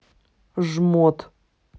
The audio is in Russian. жмот